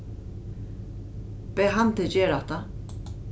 bað hann teg gera hatta